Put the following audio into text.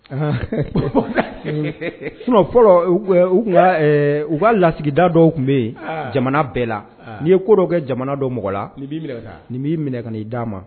Sinon fɔlɔ u ka lasigiden dɔw kun bɛ yen jamana bɛɛ la . Ni ye ko kɛ jamana dɔw mɔgɔ la i bi minɛ ka ni da ma